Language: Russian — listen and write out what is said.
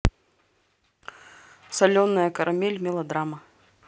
соленая карамель мелодрама